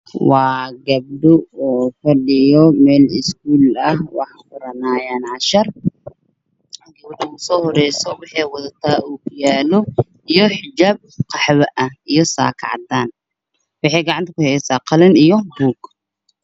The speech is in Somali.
Waa gabdho wax baranayaan miisaas ayey ku fadhiyaan waxaa ii muuqato gabadh wadato xijaab oranji ah oo cashar qorayso